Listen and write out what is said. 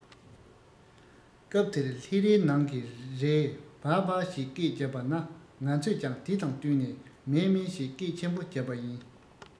སྐབས དེར ལྷས རའི ནང གི རས བཱ བཱ ཞེས སྐད བརྒྱབ པ ན ང ཚོས ཀྱང དེ དང བསྟུན ནས མཱེ མཱེ ཞེས སྐད ཆེན པོ བརྒྱབ པ ཡིན